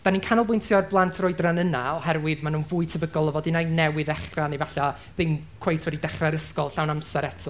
Dan ni'n canolbwyntio ar blant yr oedran yna oherwydd mae'n nhw'n fwy tebygol o fod un ai newydd ddechrau neu falle dim cweit wedi dechrau'r ysgol llawn amser eto.